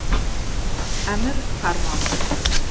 amir farmoni o'qildi